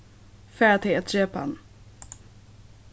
fara tey at drepa hann